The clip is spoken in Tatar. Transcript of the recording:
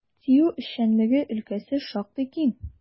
ТИҮ эшчәнлеге өлкәсе шактый киң.